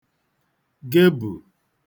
gebù